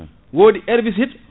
wodi herbicide